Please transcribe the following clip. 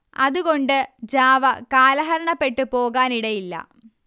അതുകൊണ്ട് ജാവ കാലഹരണപ്പെട്ട് പോകാനിടയില്ല